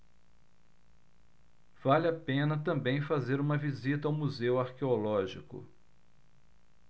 vale a pena também fazer uma visita ao museu arqueológico